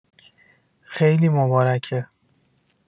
خیلی مبارکه